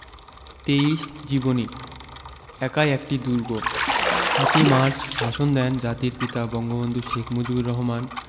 ২৩ জীবনী একাই একটি দুর্গ ৭ই মার্চ ভাষণ দেন জাতির পিতা বঙ্গবন্ধু শেখ মুজিবুর রহমান